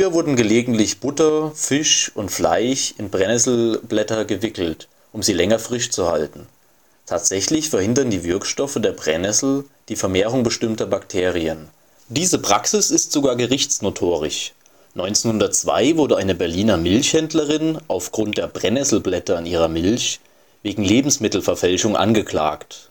wurden gelegentlich Butter, Fisch und Fleisch in Brennnesselblätter gewickelt, um sie länger frisch zu halten. Tatsächlich verhindern die Wirkstoffe der Brennnessel die Vermehrung bestimmter Bakterien. Diese Praxis ist sogar gerichtsnotorisch: 1902 wurde eine Berliner Milchhändlerin auf Grund der Brennnesselblätter in ihrer Milch wegen Lebensmittelverfälschung angeklagt